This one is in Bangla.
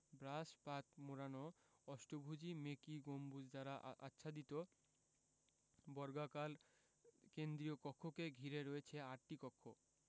ব্রাস পাত মোড়ানো অষ্টভুজী মেকী গম্বুজ দ্বারা আচ্ছাদিত বর্গাকার কেন্দ্রীয় কক্ষকে ঘিরে রয়েছে আটটি কক্ষ